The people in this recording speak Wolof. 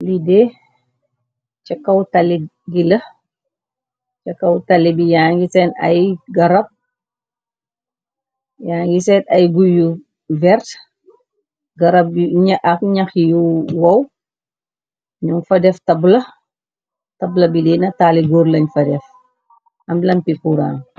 Lidee ca kaw tali bi garab yaa ngi seen ay gu yu vert garab ak ñax yu woow. Nyun fa def taatabla bi li na taali góor lañ fa def am lampikuraan.